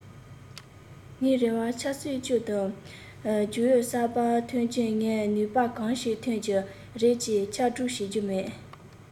ངའི རེ བར ཆབ སྲིད ཅུད དང རྒྱུན ཨུད གསར པ ཐོན རྗེས ངས ནུས པ གང ཞིག ཐོན གྱི རེད ཅེས ཁྱབ བསྒྲགས བྱེད རྒྱུ མེད